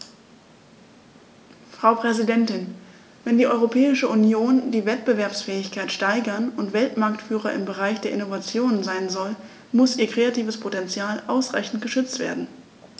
Frau Präsidentin, wenn die Europäische Union die Wettbewerbsfähigkeit steigern und Weltmarktführer im Bereich der Innovation sein soll, muss ihr kreatives Potential ausreichend geschützt werden.